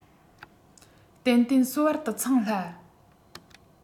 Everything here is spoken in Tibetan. ཏན ཏན སོ བར དུ འཚང སླ